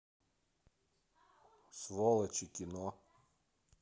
сволочи кино